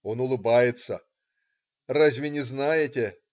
Он улыбается: "разве не знаете?